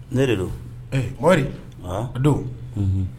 Ne de don wari do